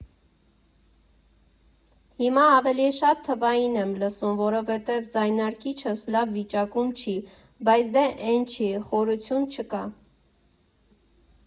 Հիմա ավելի շատ թվային եմ լսում, որովհետև ձայնարկիչս լավ վիճակում չի, բայց դե էն չի, խորությունը չկա։